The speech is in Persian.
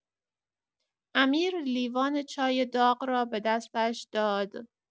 امیر لیوان چای داغ را به دستش داد.